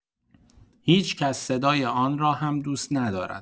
هیچ‌کس صدای آن را هم دوست ندارد.